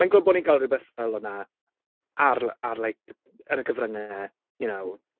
Mae'n good bod ni'n gael rhywbeth fel hwnna ar, ar like, yn y cyfryngau, you know?